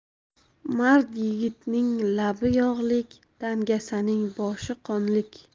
mard yigitning labi yog'lik dangasaning boshi qonlik